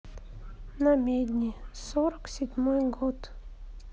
намедни сорок седьмой год